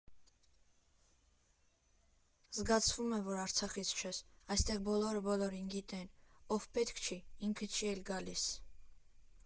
«Զգացվում է, որ Արցախից չես, այստեղ բոլորը բոլորին գիտեն, ով պետք չի, ինքը չի էլ գալիս»։